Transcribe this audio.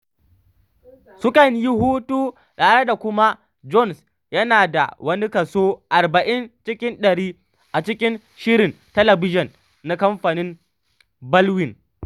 Ma’auratan sukan yi hutu tare kuma Jones yana da wani kaso 40 cikin dari a cikin shirin talabijin na kamfanin Baldwin.